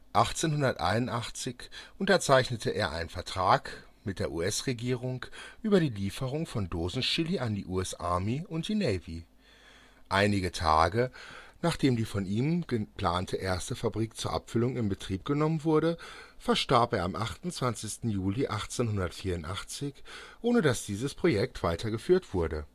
1881 unterzeichnete er einen Vertrag mit der US-Regierung über die Lieferung von Dosenchili an die US Army und die Navy. Einige Tage, nachdem die von ihm geplante erste Fabrik zur Abfüllung in Betrieb genommen wurde, verstarb er am 28. Juli 1884, ohne dass dieses Projekt weitergeführt wurde